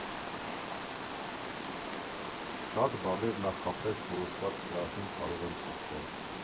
Շատ բաներ նախապես որոշված սրահում կարող են փոխվել։